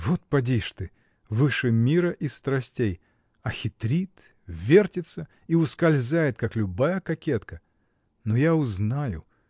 Вот поди ж ты: “выше мира и страстей”, а хитрит, вертится и ускользает, как любая кокетка! Но я узнаю!